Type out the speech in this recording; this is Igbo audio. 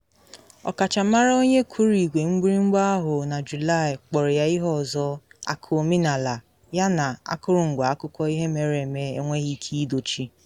Ọkachamara onye kụrụ igwe mgbịrịmgba ahụ na Julaị kpọrọ ya ihe ọzọ: “Akụ omenala” yana “akụrụngwa akụkọ ihe mere eme enweghị ike idochi.”